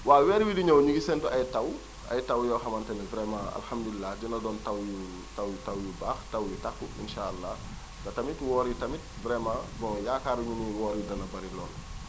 waaw weer wii di ñëw ñu ngi séntu ay taw ay taw yoo xamante ni vraiment alhamdulilah dinba doon taw yu yu taw yu taw yu takku incha ar allah te tamit woor yi tamit vraiment bon yaakaar nañu ni woor yi dana bëri lool